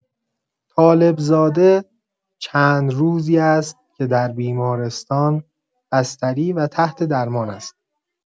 طالب‌زاده چند روزی است که در بیمارستان بستری و تحت درمان است.